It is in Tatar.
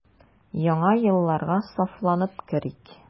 Яңа елларга сафланып керик.